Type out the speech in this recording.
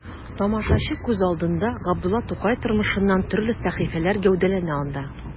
Тамашачы күз алдында Габдулла Тукай тормышыннан төрле сәхифәләр гәүдәләнә анда.